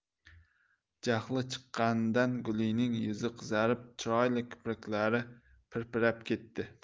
jahli chiqqanidan gulining yuzi qizarib chiroyli kipriklari pirpirab ketdi